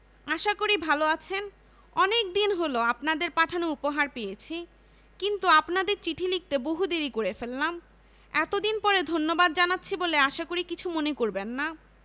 আশা করি ভালো আছেন অনেকদিন হল আপনাদের পাঠানো উপহার পেয়েছি কিন্তু আপনাদের চিঠি লিখতে বহু দেরী করে ফেললাম এতদিন পরে ধন্যবাদ জানাচ্ছি বলে আশা করি কিছু মনে করবেন না